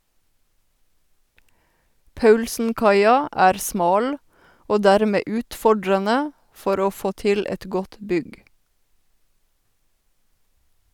Paulsenkaia er smal og dermed utfordrende for å få til et godt bygg.